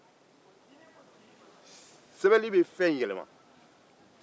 sɛbɛnni bɛ fɛn yɛlɛma